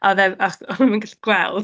A oedd e'n, ach- o'n i'n gallu gweld.